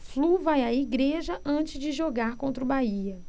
flu vai à igreja antes de jogar contra o bahia